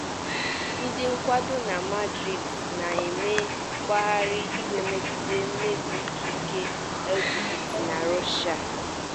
Ndị nkwado na Madrid na-eme ngagharị iwe megide mmebi ikike LGBT na Russia.